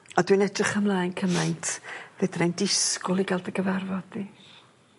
a dwi'n edrych ymlaen cymaint fedrai'm disgwl i ga'l dy gyfarfod di.